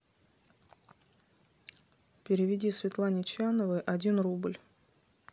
переведи светлане чановой один рубль